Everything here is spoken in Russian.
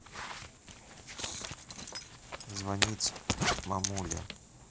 звонить мамуле